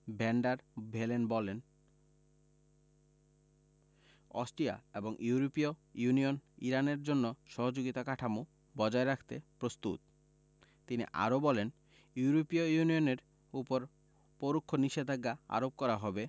van der Bellen বলেন Austria এবং ইউরোপীয় ইউনিয়ন ইরানের জন্য সহযোগিতা কাঠামো বজায় রাখতে প্রস্তুত তিনি আরও বলেন ইউরোপীয় ইউনিয়নের ওপর পরোক্ষ নিষেধাজ্ঞা আরোপ করা হবে